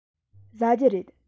ཟ རྒྱུ རེད